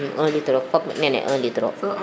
i 1 litre o fop nene 1 litre o